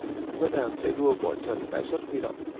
ngân hàng chạy đua bỏ trần lãi suất huy động